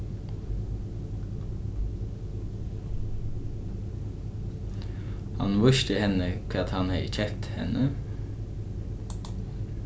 hann vísti henni hvat hann hevði keypt henni